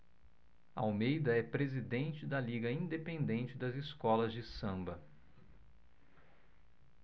almeida é presidente da liga independente das escolas de samba